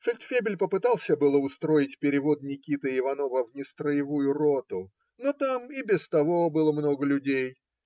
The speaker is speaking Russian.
Фельдфебель попытался было устроить перевод Никиты Иванова в нестроевую роту, но там и без того было много людей.